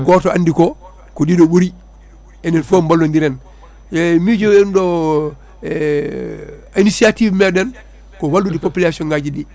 goto andiko ko ɗiɗi ɓuuri enen fo mbalodirene miijo ɗum ɗo e iniciative meɗen ko wallude population ngaji ɗi